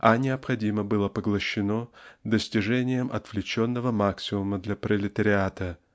а необходимо было поглощено достижением отвлеченного максимума для пролетариата